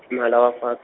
mohala wa fats-.